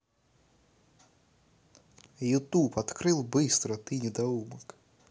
youtube открыл быстро ты недоумок